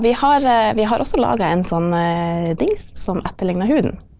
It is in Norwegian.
vi har vi har også laga en sånn dings som etterligner huden.